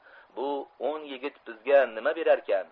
bu o'n yigit bizga nima berarkin